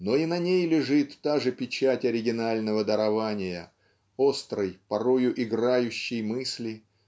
но и на ней лежит та же печать оригинального дарования острой порою играющей мысли